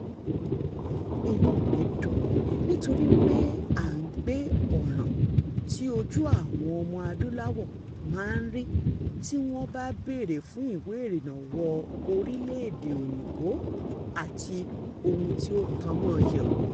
Inúu mi dùn nítorí wípé à ń gbé ọ̀ràn ohun tí ojú àwọn ọmọ-adúláwọ̀ máa ń rí ní wọ́n bá béèrè fún ìwé ìrìnnà wọ Orílẹ̀-èdè òyìnbó àti ohun ti ó tan mọ́ ọn yè wò.